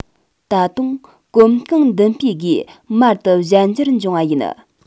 ད དུང གོམ གང མདུན སྤོས སྒོས མར དུ གཞན འགྱུར འབྱུང བ ཡིན